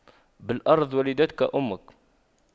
بالأرض ولدتك أمك